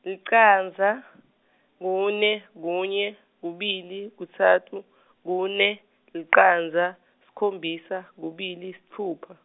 licandza, kune, kunye, kubili, kutsatfu , kune, licandza, sikhombisa, kubili, sitfupha.